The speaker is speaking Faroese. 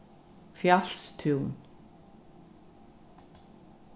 fjalstún